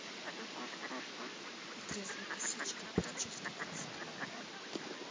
отрезала косички прическа отстой